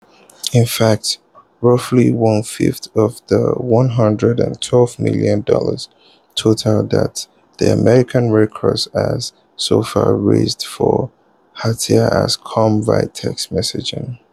In fact, roughly one-fifth of the $112 million total that the American Red Cross has so far raised for Haiti has come via text messaging.